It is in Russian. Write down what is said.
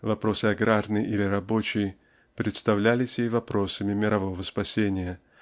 вопросы аграрный или рабочий представлялись ей вопросами мирового спасения